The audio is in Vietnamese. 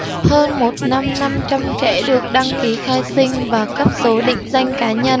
hơn một năm năm trăm trẻ được đăng ký khai sinh và cấp số định danh cá nhân